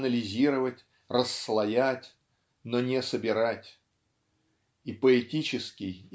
анализировать, расслоять, но не собирать. И поэтический